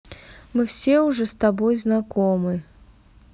мы все уже с тобой знакомы